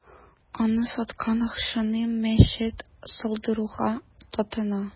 Аны саткан акчаны мәчет салдыруга тотына.